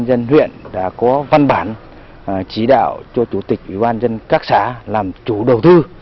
dân huyện đã có văn bản chỉ đạo cho chủ tịch ủy ban dân các xã làm chủ đầu tư